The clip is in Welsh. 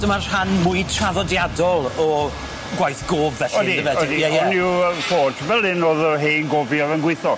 Dyma'r rhan mwy traddodiadol o gwaith gof felly... Odi. yndyfe? Odi 'on yw yy forge fel 'yn o'dd yr hen gofiwr yn gweitho.